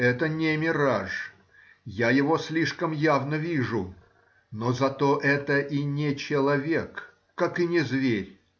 это не мираж — я его слишком явно вижу, но зато это и не человек, как и не зверь.